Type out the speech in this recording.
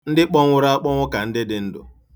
Ndị kpọnwụrụ akpọnwụ ka ndị dị ndụ.